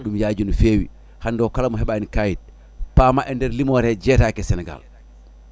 ɗum yaaji no fewi hande o kala mo heeɓani kayit paama e nder liimore he jeyetake e Sénégal